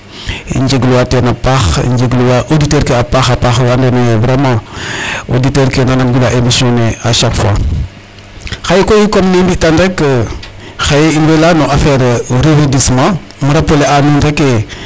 I njeegluwaa teen a paax njeegluwaa auditeur ke a paax a paax we andoona yee vraiment auditeur ke naa nangilooxaa émission ne a chaque fois. Xaye koy comme ne i mbi'tan rek xaye in way layaa no affaire reverdissement.